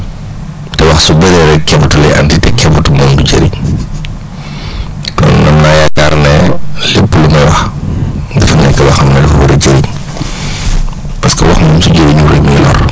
te wax su bëree rek kebetu lay andi te kebetu moom du jëriñ kon mun naa yaakaar ne lépp lu may wax mu di nekk loo xam ne lu war a jëriñ parce que wax moom su jëriñul rek mi ngi lor